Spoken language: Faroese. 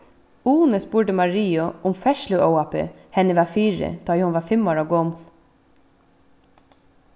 uni spurdi mariu um ferðsluóhappið henni var fyri tá ið hon var fimm ára gomul